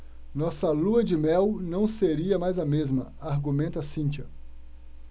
nossa lua-de-mel não seria mais a mesma argumenta cíntia